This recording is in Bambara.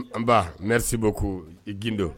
Nbaba nri sebo ko gindo